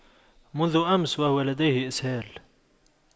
منذ أمس وهو لديه إسهال